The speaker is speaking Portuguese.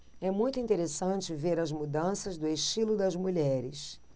é muito interessante ver as mudanças do estilo das mulheres